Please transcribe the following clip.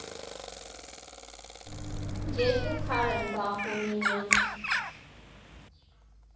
Երկու քար են բախվում միմյանց…